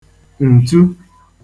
ǹtu